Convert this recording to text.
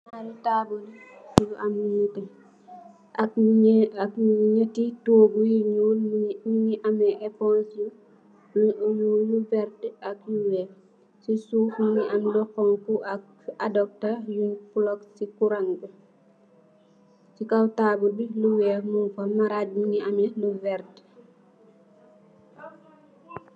Naari taabul yu am lu nètè ak nëtti toogu yu ñuul mungi ameh epons lu ñuul, lu vert ak lu weeh. Ci suuf mungi am honku ak adopter yun plug ci kurang bi. Ci kaw taabl bi lu weeh mung fa. Maraj bi mungi ameh lu vert.